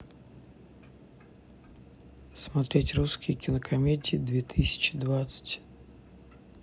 смотреть русские кинокомедии две тысячи двадцать